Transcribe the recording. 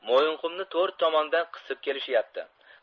mo'yinqumni to'rt tomondan qisib kelishyapti